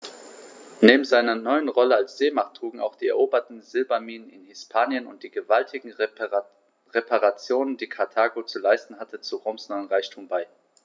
Neben seiner neuen Rolle als Seemacht trugen auch die eroberten Silberminen in Hispanien und die gewaltigen Reparationen, die Karthago zu leisten hatte, zu Roms neuem Reichtum bei.